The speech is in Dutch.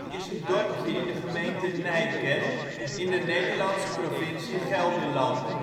is een dorpje in de gemeente Nijkerk in de Nederlandse provincie Gelderland